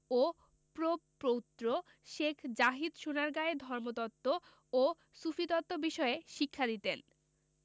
ও প্রপৌত্র শেখ জাহিদ সোনারগাঁয়ে ধর্মতত্ত্ব ও সুফিতত্ত্ব বিষয়ে শিক্ষা দিতেন